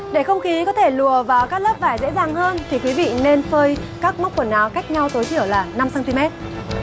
để không khí có thể lùa vào các lớp vải dễ dàng hơn thì quý vị nên phơi các móc quần áo cách nhau tối thiểu là năm xăng ti mét